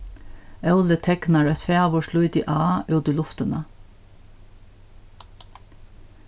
óli teknar eitt fagurt lítið a út í luftina